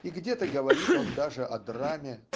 и где-то говорит он даже о драме